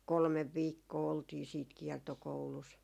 kolme viikkoa oltiin sitten kiertokoulussa